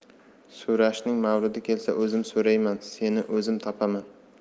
so'rashning mavridi kelsa o'zim so'rayman seni o'zim topaman